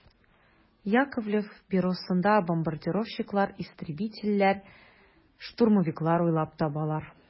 Яковлев бюросында бомбардировщиклар, истребительләр, штурмовиклар уйлап табалар.